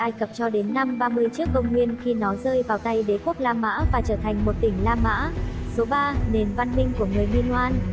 cho đến năm tcn khi nó rơi vào tay đế quốc la mã và trở thành một tỉnh la mã số nền văn minh của người minoan